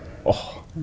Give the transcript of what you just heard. åh.